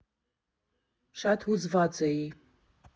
Շատ հուզված էի։